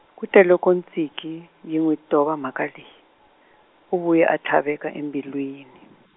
kute loko Tsinkie yi n'wi tova mhaka leyi, u vuye a tlhaveka embilwini.